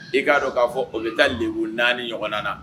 I ka dɔn k'a fɔ, o bɛ ta lebu 4 ɲɔgɔnna na.